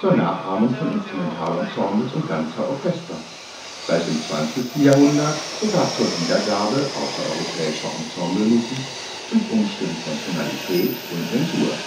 Nachahmung von Instrumentalensembles und ganzer Orchester. Seit dem 20. Jahrhundert sogar zur Wiedergabe außereuropäischer Ensemblemusik durch Umstimmen von Tonalität und Mensur